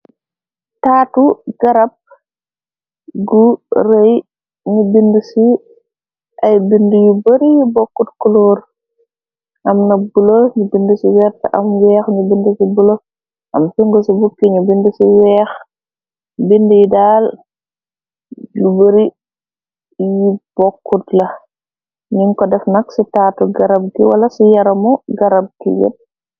Taatu garab gu rëy, ñu binde ci ay binde yu bari, yu bokkut kuloor, am na bula, ñu binde ci werta, am weex, nyu binde ci bula, am sungusi bukki, ñu binde ci weex, binde yi daal yu bari yu bokkut la, nyu ko def nak ci taatu garab gi, wala ci yaramu garab gi yep.